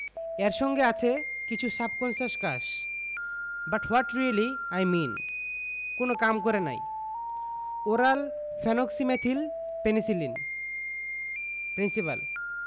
এর সঙ্গে আছে কিছু সাবকন্সাসের cause but what really I mean কোন কাম করে নাই ওরাল ফেনোক্সিমেথিল পেনিসিলিন প্রিন্সিপাল